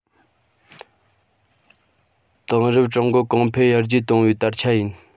དེང རབས ཀྲུང གོ གོང འཕེལ ཡར རྒྱས གཏོང བའི དར ཆ ཡིན